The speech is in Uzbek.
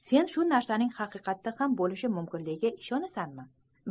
sen shu narsaning haqiqatda ham bo'lishi mumkinligiga ishonsang